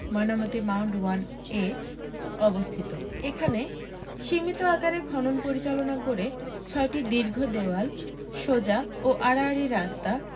Mainamati mound one এ অবস্থিত এখানে সীমিত আকারে খনন পরিচালনা করে ছয়টি দীর্ঘ দেওয়াল সোজা ও আড়াআড়ি রাস্তা